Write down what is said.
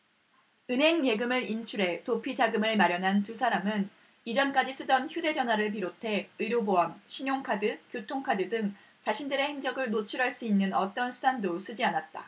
은행 예금을 인출해 도피자금을 마련한 두 사람은 이전까지 쓰던 휴대전화를 비롯해 의료보험 신용카드 교통카드 등 자신들의 행적을 노출할 수 있는 어떤 수단도 쓰지 않았다